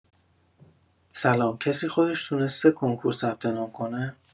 سلام کسی خودش تونسته کنکور ثبت‌نام کنه؟